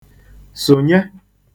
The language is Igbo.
̀sụ̀nye